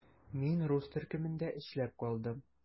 Мин рус төркемендә эшләп калдым.